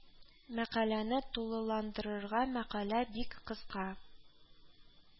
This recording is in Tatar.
Мәкаләне тулыландырырга мәкалә бик кыска